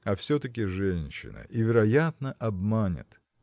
– А все-таки женщина, и, вероятно, обманет.